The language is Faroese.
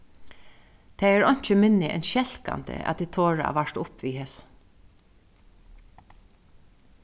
tað er einki minni enn skelkandi at tit tora at varta upp við hesum